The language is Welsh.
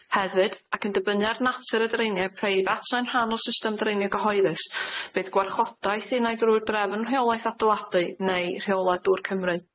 Hefyd, ac yn dibynnu ar natur y dreiniau preifat yn rhan o system dreinia gyhoeddus bydd gwarchodaeth i wneud drwy'r drefn rheolaeth adeiladu, neu rheola dŵr Cymru.